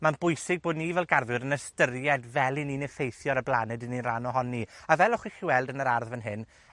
ma'n bwysig bo' ni fel garddwyr yn ystyried fel 'yn ni'n effeithio ar y blaned 'dyn ni ran ohoni, a fel achwch chi weld yn yr ardd fan hyn